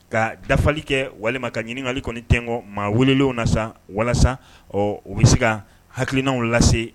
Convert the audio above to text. Ka dafali kɛ walima ka ɲininkali kɔni tɛgɔ maa welew na sa walasa ɔ o bɛ se ka hakilikiinaw lase